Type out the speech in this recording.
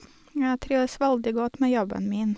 Jeg trives veldig godt med jobben min.